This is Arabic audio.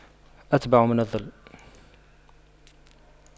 أتبع من الظل